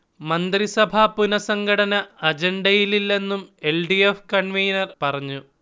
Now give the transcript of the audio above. മന്ത്രിസഭ പുനഃസംഘടന അജണ്ടയിലില്ലെന്നും എൽ. ഡി. എഫ്. കൺവീനർ പറഞ്ഞു